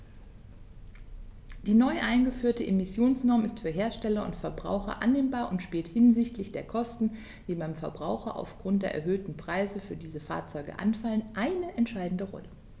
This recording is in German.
Die neu eingeführte Emissionsnorm ist für Hersteller und Verbraucher annehmbar und spielt hinsichtlich der Kosten, die beim Verbraucher aufgrund der erhöhten Preise für diese Fahrzeuge anfallen, eine entscheidende Rolle.